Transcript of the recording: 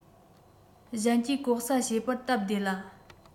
གཞན གྱིས ལྐོག ཟ བྱེད པར སྟབས བདེ ལ